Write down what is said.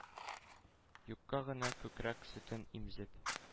Юкка гына күкрәк сөтен имзеп,